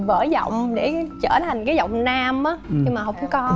vỡ giọng để trở thành cái giọng nam đó nhưng mà không có